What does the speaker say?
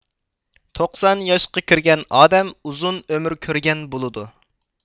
توقسان ياشقا كىرگەن ئادەم ئۇزۇن ئۆمۈر كۆرگەن بولىدۇ